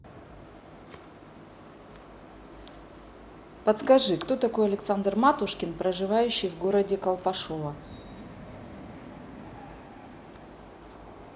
подскажи кто такой александр матушкин проживающий в городе колпашево